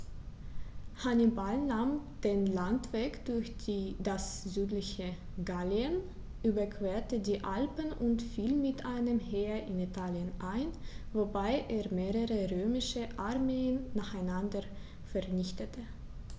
Hannibal nahm den Landweg durch das südliche Gallien, überquerte die Alpen und fiel mit einem Heer in Italien ein, wobei er mehrere römische Armeen nacheinander vernichtete.